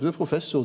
du er professor.